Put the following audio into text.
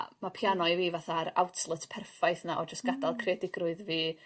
A ma' piano i fi fatha'r outlet perffaith 'na or jyst gadal creadigrwydd fi